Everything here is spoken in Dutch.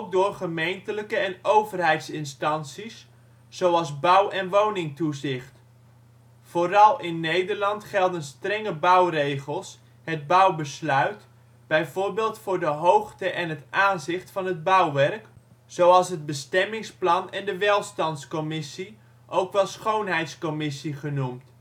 door gemeentelijke en overheidsinstanties, zoals bouw - en woningtoezicht. Vooral in Nederland gelden strenge bouwregels (bouwbesluit), bijvoorbeeld voor de hoogte en het aanzicht van het bouwwerk, zoals het bestemmingsplan en de welstandscommissie (ook wel schoonheidcommissie genoemd